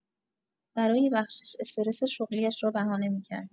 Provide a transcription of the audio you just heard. برای بخشش، استرس شغلی‌اش را بهانه می‌کرد.